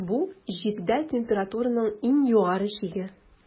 Бу - Җирдә температураның иң югары чиге.